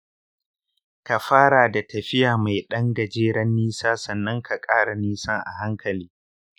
ka fara da tafiya mai ɗan gajeren nesa sannan ka ƙara nisan a hankali.